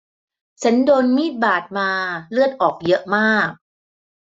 ฉันโดนมีดบาดมาเลือดออกเยอะมาก